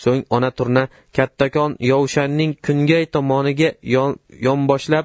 so'ng ona turna kattakon yovshanning kungay tomo niga yonboshlab